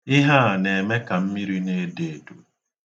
Ihe a na-eme ka mmiri na-edo edo.